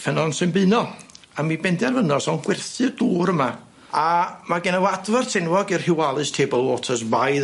ffynnon Sain Beino a mi bendarfynno sa fo'n gwerthu'r dŵr yma a ma' genna fo adfart enwog i'r Rhiwalis Tablewaters by